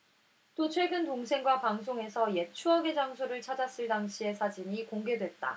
또 최근 동생과 방송에서 옛 추억의 장소를 찾았을 당시의 사진이 공개됐다